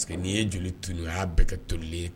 Parce que'i ye joli tu o y'a bɛɛ kɛ toli